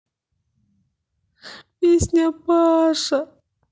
песня паша